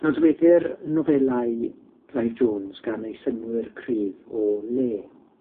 Nodweddir nofelau Clive Jones gan eu synnwyr cryf o le.